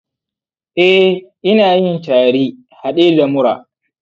eh, ina yin tari hade da mura.